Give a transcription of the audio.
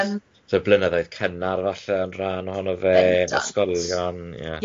So blynyddoedd cynnar falle yn rhan ohonno fe, ysgolion, ie.